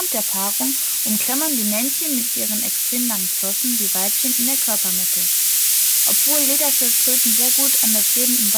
der Paarung umklammert das Männchen mit ihren extrem langen Flossen die Weibchen in der Körpermitte. Obwohl Lederschildkröten sehr gut an das Leben